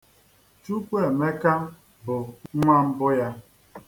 Chukwuemeka bụ nnwa mbụ ya.